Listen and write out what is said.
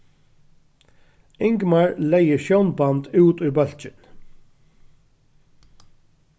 ingmar legði sjónband út í bólkin